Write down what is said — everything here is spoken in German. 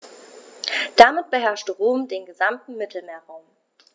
Damit beherrschte Rom den gesamten Mittelmeerraum.